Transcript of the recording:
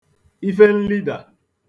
ifenlidà